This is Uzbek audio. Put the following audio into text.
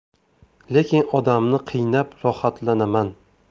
lekin odamni qiynab rohatlanaman